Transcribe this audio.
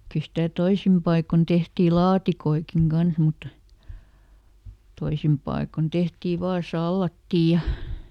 kyllä sitä toisin paikoin tehtiin laatikoitakin kanssa mutta toisin paikoin tehtiin vain salaattia ja